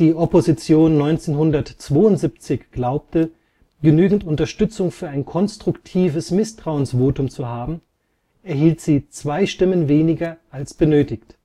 Opposition 1972 glaubte, genügend Unterstützung für ein konstruktives Misstrauensvotum zu haben, erhielt sie zwei Stimmen weniger als benötigt